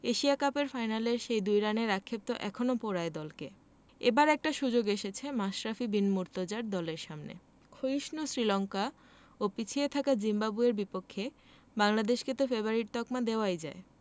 Asia কাপের ফাইনালের সেই ২ রানের আক্ষেপ তো এখনো পোড়ায় দলকে এবার একটা সুযোগ এসেছে মাশরাফি বিন মুর্তজার দলের সামনে ক্ষয়িষ্ণু শ্রীলঙ্কা ও পিছিয়ে থাকা জিম্বাবুয়ের বিপক্ষে বাংলাদেশকে তো ফেবারিট তকমা দেওয়াই যায়